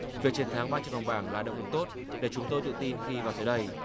việc chiến thắng ba trận vòng bảng là động lực tốt để chúng tôi tự tin khi vào tới đây